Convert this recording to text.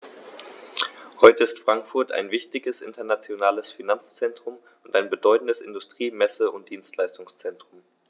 Heute ist Frankfurt ein wichtiges, internationales Finanzzentrum und ein bedeutendes Industrie-, Messe- und Dienstleistungszentrum.